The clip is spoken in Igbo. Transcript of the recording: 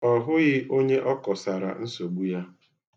Ọ hụghị onye ọ kọsara nsogbu ya.